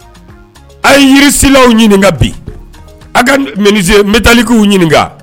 A ye yirisilaw ɲininka bi a ka mini bɛtalikiw ɲininka